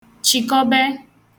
chị̀kọbe